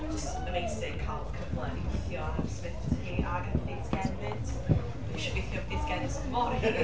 Jyst amazing cael y cyfle i weithio ar sgript hi, a gyda Theatr Gen 'fyd. Dwi isio gweithio efo Theatr Gen ers mor hir .